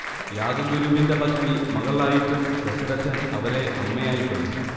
യാഗ ഗുരുവിന്റെ പത്നി മകളായിട്ടും ദശരഥൻ അവരെ അമ്മയായി കണ്ടു